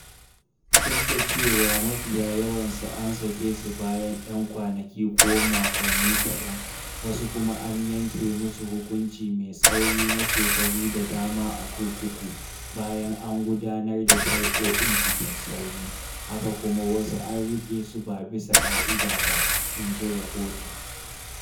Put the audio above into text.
Duk da cewa mafiya yawansu an sake su bayan yan kwanaki ko makonni kadan, wasu kuma an yanke musu hukunci mai tsauri na shekaru da dama a kurkuku, bayan an gudanar da shari’o’in cikin sauri, haka kuma wasu an rike su ba bisa ka'ida ba. in ji rahoton.